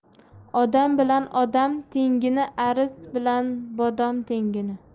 odam bilan odam tengmi aris bilan bodom tengmi